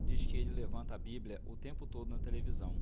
diz que ele levanta a bíblia o tempo todo na televisão